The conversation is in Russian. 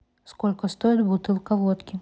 сколько стоит бутылка водки